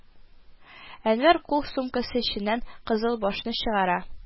Әнвәр кул сумкасы эченнән «кызыл баш»-ны чыгара